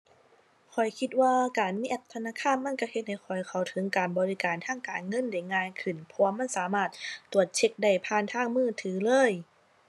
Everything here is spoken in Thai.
ข้อยคิดว่าการมีแอปธนาคารมันก็เฮ็ดให้ข้อยเข้าถึงการบริการทางการเงินได้ง่ายขึ้น เพราะว่ามันสามารถ ตรวจเช็กได้ผ่านทางมือถือเลย